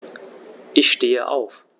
Ich stehe auf.